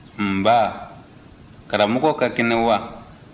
nba karamɔgɔ ka kɛnɛ wa